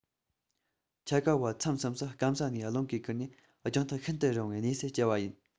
ཆ ག པ མཚམས མཚམས སུ སྐམ ས ནས རླུང གིས ཁུར ནས རྒྱང ཐག ཤིན ཏུ རིང བའི གནས སུ སྐྱེལ བ ཡིན